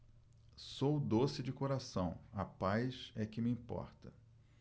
sou doce de coração a paz é que me importa